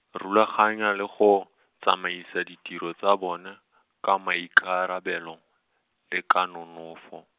rulaganya le go, tsamaisa ditiro tsa bona, ka maikarabelo, le ka nonofo.